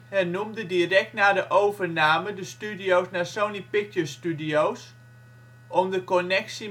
hernoemde direct na de overname de studio 's naar Sony Pictures Studios, om de connectie